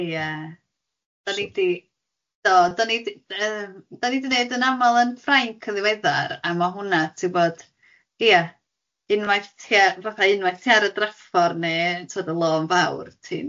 Ie da ni di, do dan ni yy dan ni di neud yn aml yn Ffrainc yn ddiweddar a ma hwnna ti'n gwybod ia unwaith tua fatha unwaith ti ar y draffordd neu tibod y lôn fawr ti'n